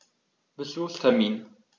Besuchstermin